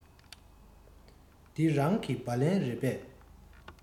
འདི རང གི སྦ ལན རེད པས